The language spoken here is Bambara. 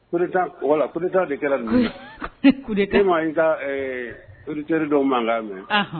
Coup d'Etat, Voila coup d'Etat de kɛra ninnu na, coup d'Etat e ma i ka auditeurs dɔw mankan mɛn, ahan.